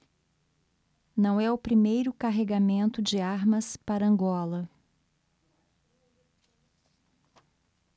não é o primeiro carregamento de armas para angola